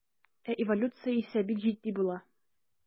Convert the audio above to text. Ә эволюция исә бик җитди була.